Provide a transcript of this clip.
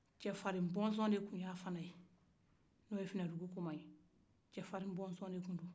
cɛ farin bɔnsɔn de ya fɛnɛ ye finadugukiɲɛrɔba